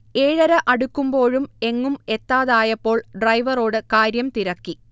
ഏഴര അടുക്കുമ്പോഴും എങ്ങും എത്താതായപ്പോൾ ഡ്രൈവറോട് കാര്യം തിരക്കി